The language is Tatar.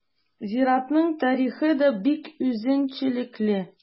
Зиратның тарихы да бик үзенчәлекле.